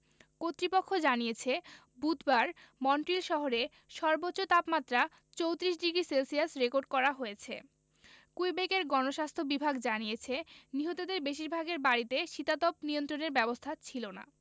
কর্তৃপক্ষ জানিয়েছে বুধবার মন্ট্রিল শহরে সর্বোচ্চ তাপমাত্রা ৩৪ ডিগ্রি সেলসিয়াস রেকর্ড করা হয়েছে কুইবেকের গণস্বাস্থ্য বিভাগ জানিয়েছে নিহতদের বেশিরভাগের বাড়িতে শীতাতপ নিয়ন্ত্রণের ব্যবস্থা ছিল না